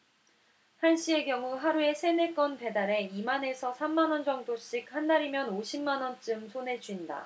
한씨의 경우 하루에 세 네 건 배달해 이 만 에서 삼 만원 정도씩 한 달이면 오십 만원쯤 손에 쥔다